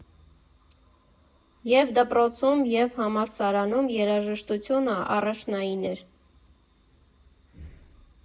Ե՛վ դպրոցում, և՛ համալսարանում երաժշտությունը առաջնային էր։